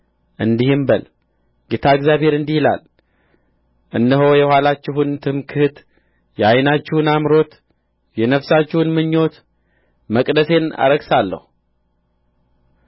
እንዲህም በል ጌታ እግዚአብሔር እንዲህ ይላል እነሆ የኃይላችሁን ትምክሕት የዓይናችሁን አምሮት የነፍሳችሁን ምኞት መቅደሴን አረክሳለሁ